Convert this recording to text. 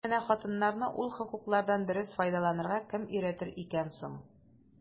Тик менә хатыннарны ул хокуклардан дөрес файдаланырга кем өйрәтер икән соң?